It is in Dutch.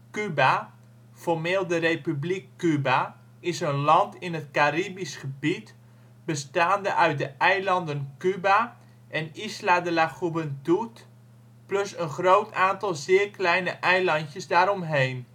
Cuba, formeel de Republiek Cuba (Spaans: República de Cuba), is een land in het Caribisch Gebied, bestaande uit de eilanden Cuba en Isla de la Juventud, plus een groot aantal zeer kleine eilandjes daaromheen